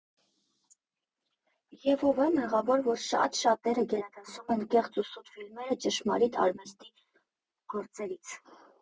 Եվ ո՞վ է մեղավոր, որ շատ֊շատերը գերադասում են կեղծ ու սուտ ֆիլմերը ճշմարիտ արվեստի գործերից։